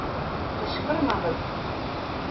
Кычкырмагыз!